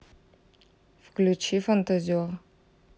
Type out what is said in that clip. включи фантазер